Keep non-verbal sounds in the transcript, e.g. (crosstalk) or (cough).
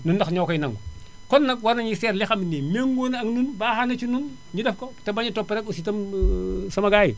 ñun ndax ñoo koy nangu kon nag war nañuy seet li xam ne nii méngoo na ak ñun baax na ci ñun ñu def ko te bañ a topp rek aussi itam (hesitation) sama gars yi